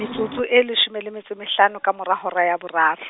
metsotso e leshome le metso e mehlano ka mora hora ya boraro.